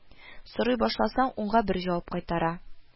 Сорый башласаң, унга бер җавап кайтара